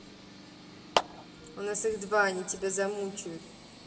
у нас их два они тебя замучают